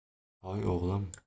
hoy o'g'lim